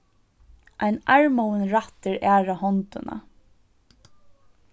ein armóðin rættir aðra hondina